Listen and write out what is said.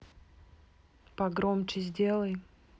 погромче сделай